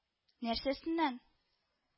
— нәрсәсеннән